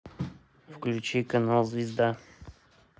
включи канал звезда